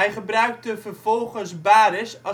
gebruikte vervolgens Baresch